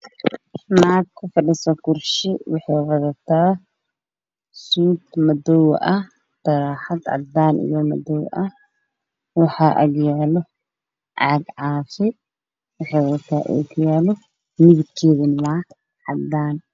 Naag ku fadhiso kursi wadato suud madow ah